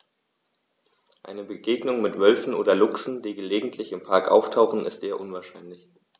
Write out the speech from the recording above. Eine Begegnung mit Wölfen oder Luchsen, die gelegentlich im Park auftauchen, ist eher unwahrscheinlich.